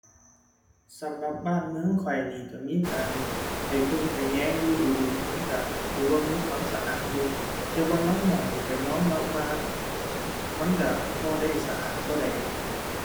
สำหรับบ้านเมืองข้อยนี่ก็มีการไปเบิ่งไปแยงอยู่ดู๋ดู๋ มันก็ถือว่ามีความสะอาดอยู่ แต่ว่าลางหม้องนี่ก็ยอมรับว่ามันก็บ่ได้สะอาดเท่าใด